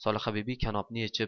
solihabibi kanopni yechib